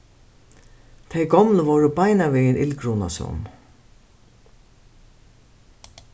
tey gomlu vóru beinanvegin illgrunasom